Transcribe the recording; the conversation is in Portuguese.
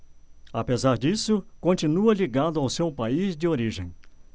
apesar disso continua ligado ao seu país de origem